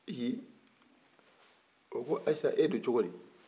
o ko ayisa e don cogo di